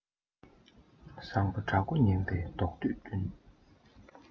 བཟང པོ དགྲ མགོ ངན པས བཟློག པས བསྟུན